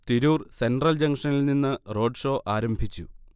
Tirur central ജംഗ്ഷനിൽ നിന്ന് roadshow ആരംഭിച്ചു